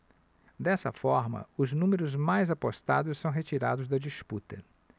dessa forma os números mais apostados são retirados da disputa